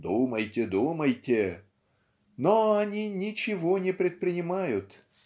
"думайте, думайте!" Но они ничего не предпринимают.